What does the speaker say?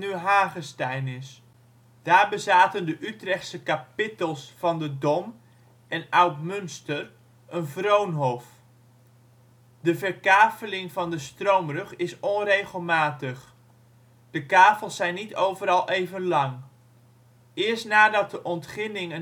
Hagestein). Daar bezaten de Utrechtse kapittels van de Dom en Oud-Munster een vroonhof. De verkaveling van de stroomrug is onregelmatig: de kavels zijn niet overal even lang. Eerst nadat de ontginning